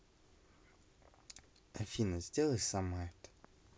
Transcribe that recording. афина сделай сама это